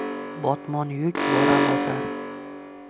botmon yuk bora bosar